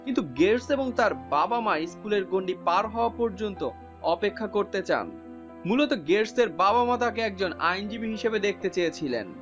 কিন্তু গেটস এবং তার বাবা-মা স্কুলের গন্ডি পার হওয়া পর্যন্ত অপেক্ষা করতে চান মূলত গেটস এর বাবা মা তাকে একজন আইনজীবী হিসেবে দেখতে চেয়েছিলেন